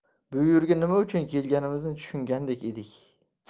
bu yerga nima uchun kelganimizni tushungandek bo'ldim